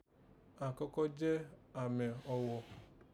Àkókò jẹ́ àmẹ̀ ọghọ́